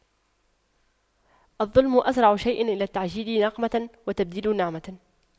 الظلم أسرع شيء إلى تعجيل نقمة وتبديل نعمة